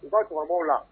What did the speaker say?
U ka cɔkɔrɔbaw la